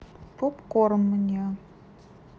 попкорн мне